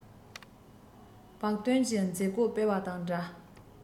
བག སྟོན གྱི མཛད སྒོ སྤེལ བ དང འདྲ